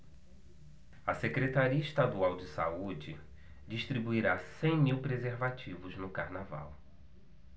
a secretaria estadual de saúde distribuirá cem mil preservativos no carnaval